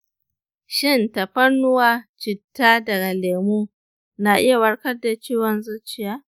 shin, tafarnuwa, citta, da lemu na iya warkar da ciwon zuciya?